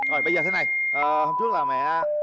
rồi bây giờ thế này à hôm trước là mẹ